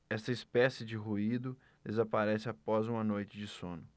esta espécie de ruído desaparece após uma noite de sono